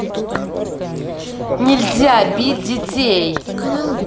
нельзя бить детей